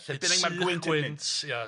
Lle bynnag ma'r gwynt yn... ...gwynt, ia.